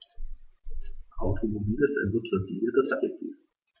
Automobil ist ein substantiviertes Adjektiv.